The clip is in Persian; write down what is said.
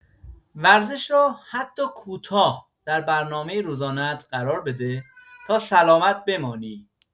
ورزش را حتی کوتاه در برنامه روزانه‌ات قرار بده تا سلامت بمانی.